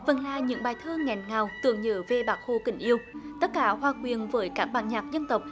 vẫn là những bài thơ nghẹn ngào tưởng nhớ về bác hồ kính yêu tất cả hòa quyện với các bản nhạc dân tộc